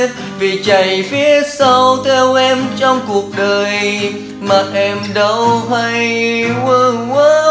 vì chạy phía sau theo em trong cuộc đời mà em đâu hay